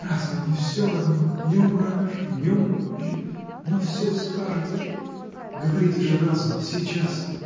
— Разве не всё равно: днем раньше, днем позже — но всё скажете же. говорите же разом, сейчас!.